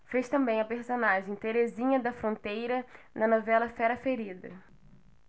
fez também a personagem terezinha da fronteira na novela fera ferida